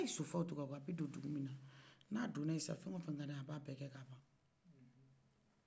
n'a ye sofaw tug'a kɔ a bɛ do dugumina n'a dolayi sa fɛnw fenw ka d'a ye sa a b'o bɛkɛ ka ban